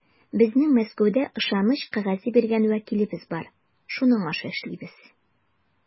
Безнең Мәскәүдә ышаныч кәгазе биргән вәкилебез бар, шуның аша эшлибез.